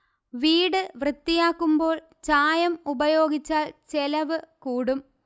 വീടു വൃത്തിയാക്കുമ്പോൾ ചായം ഉപയോഗിച്ചാൽ ചെലവ് കൂടും